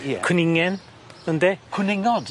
Oce ie. Cwningen ynde? Cwningod?